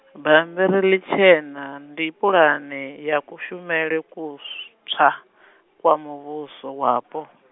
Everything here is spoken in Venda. bambiri ḽitshena ndi pulane ya kushumele kutswa, kwa muvhuso wapo.